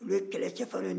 olu ye kɛlɛ cɛfarinw ye